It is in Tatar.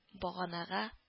Баганага